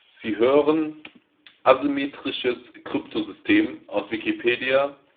Sie hören den Artikel Asymmetrisches Kryptosystem, aus Wikipedia